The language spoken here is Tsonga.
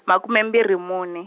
makume mbirhi mune.